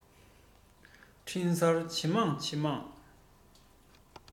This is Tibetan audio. འཕྲིན གསར ཇེ མང ཇེ མང